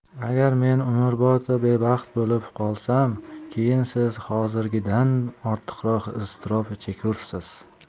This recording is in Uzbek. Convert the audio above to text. agar men umrbod bebaxt bo'lib qolsam keyin siz hozirgidan ortiqroq iztirob chekursiz